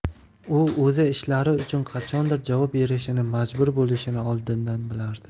u o'zi ishlari uchun qachondir javob berishini majbur bo'lishini oldindan bilardi